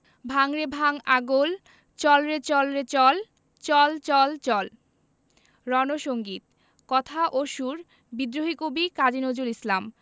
ভাঙ রে ভাঙ আগল চল রে চল রে চল চল চল চল রন সঙ্গীত কথা ও সুর বিদ্রোহী কবি কাজী নজরুল ইসলাম